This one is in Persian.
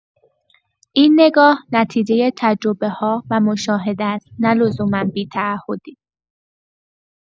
این نگاه، نتیجه تجربه‌ها و مشاهده‌ست، نه لزوما بی‌تعهدی.